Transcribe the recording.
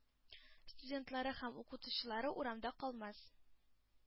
Студентлары һәм укытучылары урамда калмас.